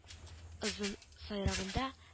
Озын сыйрагында